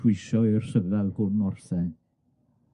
Dwi isio i'r rhyfel hwn orffen.